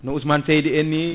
no Ousmane Seydi en ni